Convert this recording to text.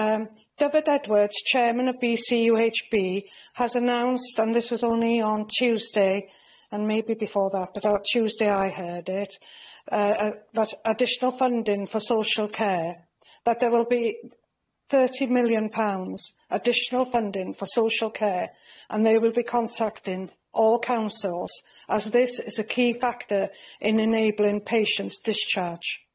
Yym Dyfed Edwards chairman of BCUHB has announced and this was only on Tuesday and maybe before that, but Tuesday I heard it, yy that additional funding for social care, that there will be thirty million pounds, additional funding for social care, and they will be contacting all councils, as this is a key factor in enabling patients' discharge.